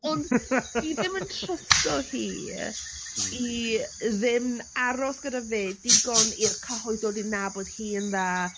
Ond... ...fi ddim yn trysto hi i ddim aros gyda fe digon i'r cyhoedd dod i nabod hi yn dda.